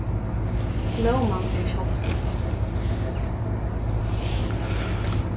blóman er sjáldsom